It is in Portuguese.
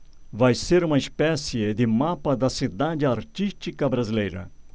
vai ser uma espécie de mapa da cidade artística brasileira